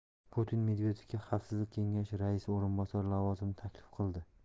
putin medvedevga xavfsizlik kengashi raisi o'rinbosari lavozimini taklif qildi